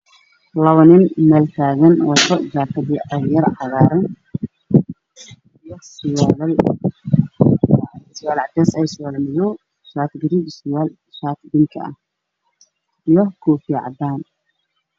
Halkaan waxaa ka muuqdo niman injineero ah oo watar jaakad jaalo ah